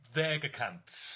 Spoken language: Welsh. Ddeg y cant.